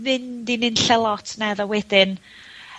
...fynd i nunlle lot naddo wedyn.